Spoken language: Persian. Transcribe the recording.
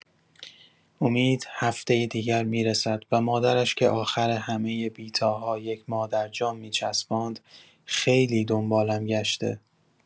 امید، هفتۀ دیگر می‌رسد و مادرش که آخر همۀ بی‌تاها یک مادر جان می‌چسباند، خیلی دنبالم گشته.